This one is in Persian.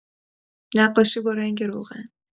نقاشی با رنگ روغن